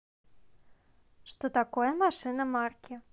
что такое машина марки